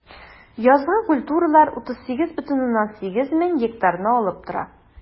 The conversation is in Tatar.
Язгы культуралар 38,8 мең гектарны алып тора.